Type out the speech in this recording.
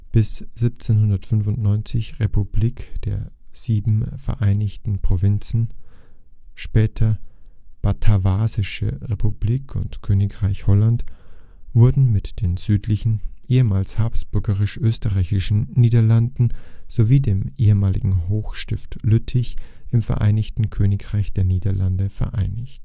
bis 1795 Republik der Sieben Vereinigten Provinzen, später Batavische Republik und Königreich Holland) wurden mit den südlichen, ehemals habsburgisch-österreichischen Niederlanden sowie dem ehemaligen Hochstift Lüttich im Vereinigten Königreich der Niederlande vereint